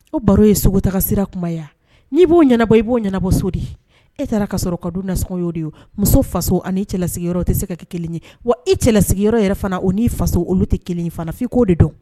O baro ye sogotaasira kunya n'i b'o ɲɛnabɔ i b'o ɲɛnabɔ so de di e taara ka sɔrɔ ka du nasɔn y'o de ye muso faso ani cɛla sigiyɔrɔ tɛ se ka kɛ kelen ye wa i cɛla sigiyɔrɔ yɛrɛ fana o ni faso olu tɛ kelen in fana f' k'o de dɔn